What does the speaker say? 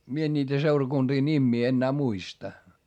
minä en niitä seurakuntien nimiä enää muista